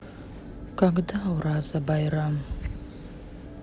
когда ураза байрам